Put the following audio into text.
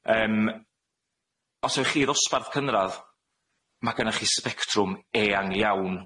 Yym, os ewch chi i ddosbarth cynradd, ma' gennach chi sbectrwm eang iawn